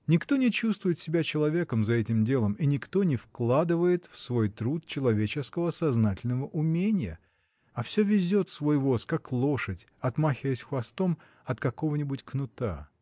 Никто не чувствует себя человеком за этим делом, и никто не вкладывает в свой труд человеческого, сознательного уменья, а всё везет свой воз, как лошадь, отмахиваясь хвостом от какого-нибудь кнута.